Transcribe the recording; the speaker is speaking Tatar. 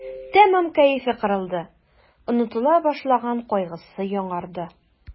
Тәмам кәефе кырылды, онытыла башлаган кайгысы яңарды.